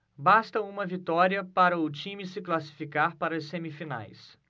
basta uma vitória para o time se classificar para as semifinais